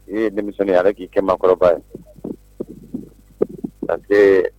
I ye denmisɛnwnin ye allah k'i kɛ maakɔrɔba ye parce que